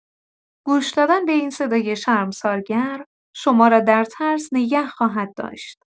گوش‌دادن به این صدای شرمسارگر، شما را در ترس نگه خواهد داشت.